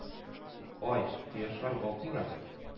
Ай, кояшлар балкыйлар?